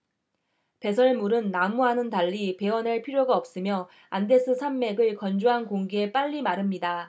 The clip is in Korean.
배설물은 나무와는 달리 베어 낼 필요가 없으며 안데스 산맥의 건조한 공기에 빨리 마릅니다